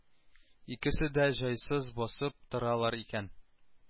Икесе дә җайсыз басып торалар икән